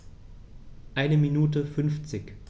Eine Minute 50